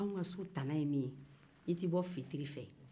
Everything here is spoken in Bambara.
an ka so tana ye min ye i tɛ bɔ fitiri fɛ